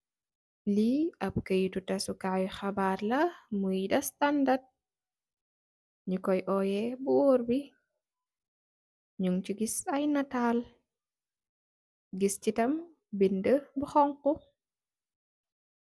Lii am kayoutou tassekai kibar la mougui amb standard nyounge koi wowe bou worr bi nyoung ci guisse aye natal guisse ci tam amb bindou bou kongkou.